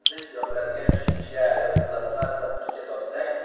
zich yopiladigan shysha yoki plastmassa quticha topsang